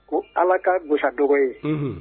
Ko allah ka gosi a dɔgɔ ye!